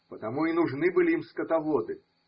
Потому и нужны были им скотоводы.